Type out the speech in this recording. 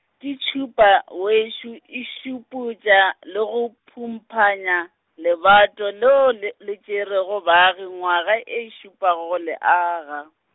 ke tšhupa wešo e šuputša le go phumphanya, lerato leo le le tšerego baagi nywaga e šupago go le aga.